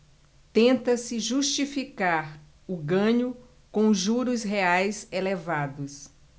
tenta-se justificar o ganho com os juros reais elevados